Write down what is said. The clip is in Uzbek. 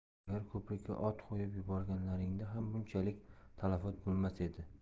agar ko'prikka o't qo'yib yuborganlaringda ham bunchalik talafot bo'lmas edi